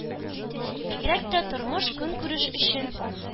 Бигрәк тә тормыш-көнкүреш өчен